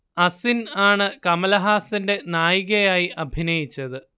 അസിൻ ആണ് കമലഹാസന്റെ നായികയായി അഭിനയിച്ചത്